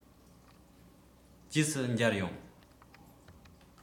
རྗེས སུ མཇལ ཡོང